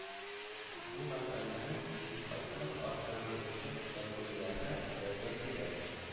Бу мәкальнең сыйфатын артырыр өчен түбәндәгеләрне эшләргә кирәк